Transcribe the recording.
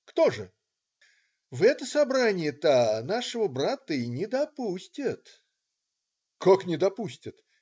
кто же?" "В это собрание-то нашего брата и не допустят". "Как не допустят?